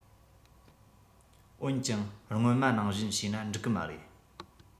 འོན ཀྱང སྔོན མ ནང བཞིན བྱས ན འགྲིག གི མ རེད